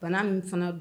Bana min fana don